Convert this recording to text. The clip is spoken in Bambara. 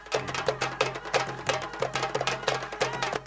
Sanunɛ